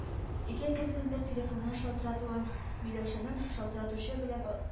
Өйгә кемнеңдер телефоннан шалтыратуын, Миләүшәнең шалтыратучы белән а